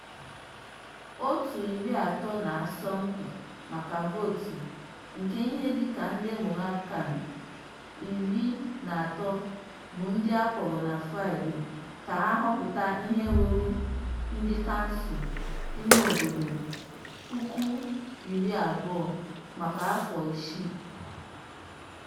Òtù iri atọ na-asọ mpi maka vootu nke ihe dịka nde Moroccan 13 bụ ndị a kpọrọ na Fraịdee ka ha họpụta ihe ruru ndị kansụl imeobodo 20,000 maka afọ isii.